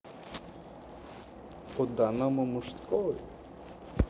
по данному мужское